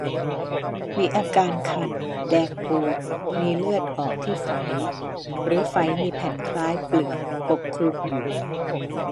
มีอาการคันแดงบวมมีเลือดออกที่ไฝหรือไฝมีแผ่นคล้ายเปลือกปกคลุมอยู่